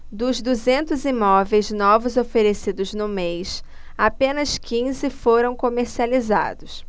dos duzentos imóveis novos oferecidos no mês apenas quinze foram comercializados